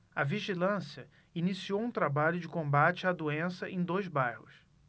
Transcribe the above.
a vigilância iniciou um trabalho de combate à doença em dois bairros